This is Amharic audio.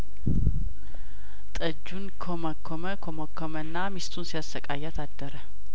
ጠጁን ኰመኰመ ኰመኰመና ሚስቱን ሲያሰቃያት አደረ